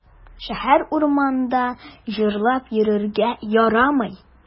Шәһәр урамында җырлап йөрергә ярамый.